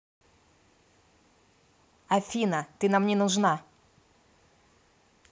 афина ты нам не нужна